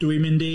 Dwi'n mynd i-